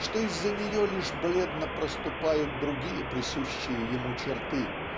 что из-за нее лишь бледно проступают другие присущие ему черты